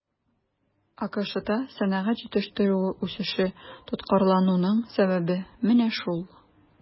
АКШта сәнәгать җитештерүе үсеше тоткарлануның сәбәбе менә шул.